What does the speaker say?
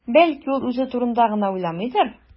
Бәлки, ул үзе турында гына уйламыйдыр?